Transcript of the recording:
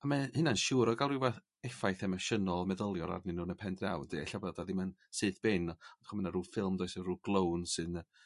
A m'e hynna'n siŵr o ga'l ryw fath effaith emosiynol meddyliol arnyn nhw'n y pen 'de ella bod o ddim yn syth bin o ch'mo' ma' 'na ryw ffilm does efo ryw glown sy'n yy